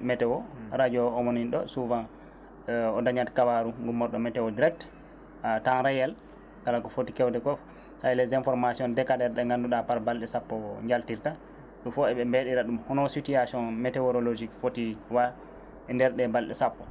météo radio omo nanɗo souvent o dañat kabaru gummorɗo météo direct à temps réel kala ko footi kewde ko hayyi les informations DECADER ɗe gannduɗa par balɗe sappo jaltirta ɗum foof heeɓe mbeɗira ɗum hono situation météorologique footi wa e nder ɗe balɗe sappo